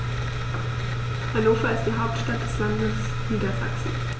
Hannover ist die Hauptstadt des Landes Niedersachsen.